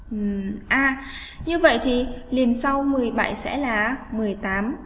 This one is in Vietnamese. như vậy thì liền sau sẽ là